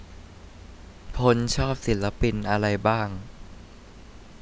พลชอบศิลปินอะไรบ้าง